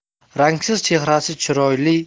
rangsiz chehrasi chiroyli